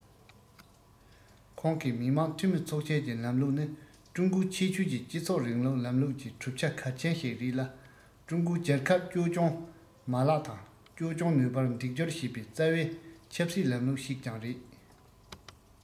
ཁོང གིས མི དམངས འཐུས མི ཚོགས ཆེན གྱི ལམ ལུགས ནི ཀྲུང གོའི ཁྱད ཆོས ཀྱི སྤྱི ཚོགས རིང ལུགས ལམ ལུགས ཀྱི གྲུབ ཆ གལ ཆེན ཞིག རེད ལ ཀྲུང གོའི རྒྱལ ཁབ བཅོས སྐྱོང མ ལག དང བཅོས སྐྱོང ནུས པར འདེགས སྐྱོར བྱེད པའི རྩ བའི ཆབ སྲིད ལམ ལུགས ཤིག ཀྱང རེད